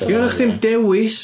Sgenna chdi'm dewis